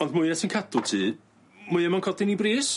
Ond mwya ti'n cadw tŷ, mwya ma'n codi ni bris.